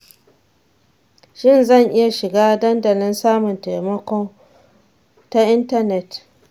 shin zan iya shiga dandalin samun taimakon ta intanet?